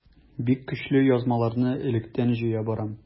Бик көчле язмаларны электән җыя барам.